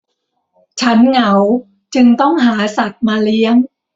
ฉันเหงาจึงต้องหาสัตว์มาเลี้ยง